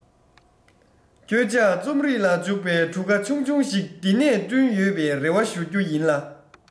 ཁྱོད ཅག རྩོམ རིག ལ འཇུག པའི གྲུ ག ཆུང ཆུང ཞིག འདི ནས བསྐྲུན ཡོད པའི རེ བ ཞུ རྒྱུ ཡིན ལ